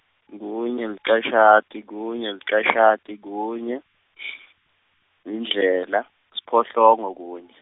kunye licashata, kunye licashata kunye , yindlela, siphohlongo kunye.